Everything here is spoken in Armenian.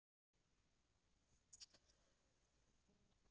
Ինչպես պատրաստվել, ինչ հագնել ու ինչին ուշադրություն դարձնել՝ իսկական տեխնո իվենթին գնալուց առաջ։